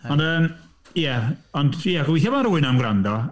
Ond yym... ie... Ond ie gobeithio bod rywun yn gwrando.